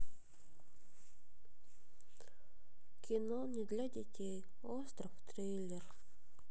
кино не для детей остров трейлер